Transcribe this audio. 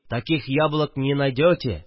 Таких яблок не найдете